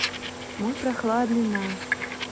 мой прохладный на